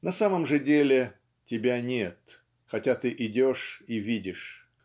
на самом же деле "тебя нет, хотя ты идешь и видишь".